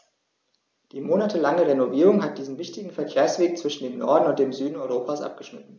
Die monatelange Renovierung hat diesen wichtigen Verkehrsweg zwischen dem Norden und dem Süden Europas abgeschnitten.